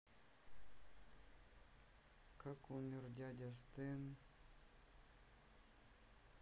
как умер дядя стэн